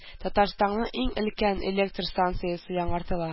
Татарстанның иң өлкән электр станциясе яңартыла